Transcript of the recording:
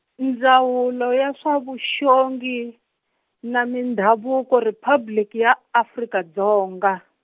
Ndzawulo ya swa vuxongi na Mindhavuko Riphabliki ya Afrika Dzonga.